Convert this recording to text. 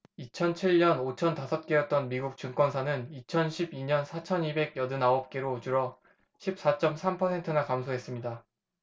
이천 칠 년 오천 다섯 개였던 미국 증권사는 이천 십 이 년 사천 이백 여든 아홉 개로 줄어 십 사 쩜 삼 퍼센트나 감소했습니다